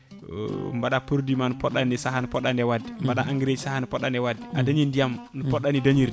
mbaɗa produit ma no poɗɗani saaha nde poɗɗa nde wadde mbaɗa engrais saaha nde poɗɗa nde wadde adañi ndiyam no poɗɗani dañirde